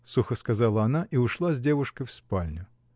— сухо сказала она и ушла с девушкой в спальню.